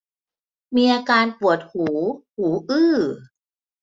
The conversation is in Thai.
มีอาการปวดหูหูอื้อ